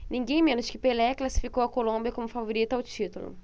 ninguém menos que pelé classificou a colômbia como favorita ao título